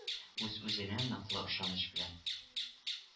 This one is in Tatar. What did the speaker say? Үз-үзенә ныклы ышаныч белән